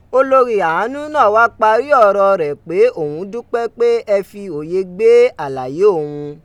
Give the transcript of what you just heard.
Olori Anu naa wa pari ọrọ rẹ pe oun dupẹ pe ẹ fi oye gbe alaye oun.